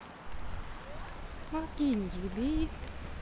мозги не еби